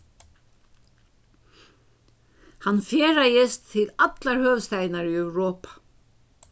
hann ferðaðist til allar høvuðsstaðirnar í europa